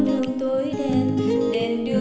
đường tối